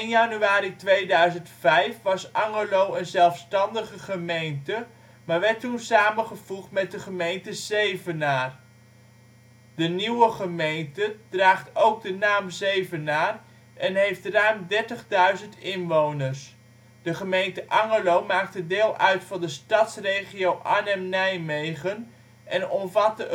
januari 2005 was Angerlo een zelfstandige gemeente, maar werd toen samengevoegd met de gemeente Zevenaar. De nieuwe gemeente draagt ook de naam Zevenaar en heeft ruim 30.000 inwoners. De gemeente Angerlo maakte deel uit van de Stadsregio Arnhem-Nijmegen en omvatte